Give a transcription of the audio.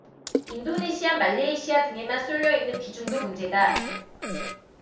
인도네시아 말레이시아 등에만 쏠려 있는 비중도 문제다